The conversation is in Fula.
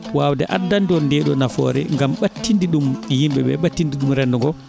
wawde andande on nde ɗo nafoore e gam ɓattinde ɗum yimɓeɓe ɓattinde ɗum rendogo